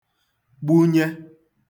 gbunye